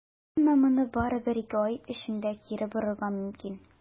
Әмма моны бары бер-ике ай эчендә кире борырга мөмкин.